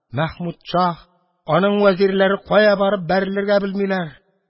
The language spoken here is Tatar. Мәхмүд шаһ, аның вәзирләре кая барып бәрелергә белмиләр.